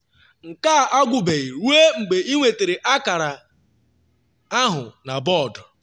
Nke a agwụbeghị ruo mgbe inwetara akara ahụ na bọdụ.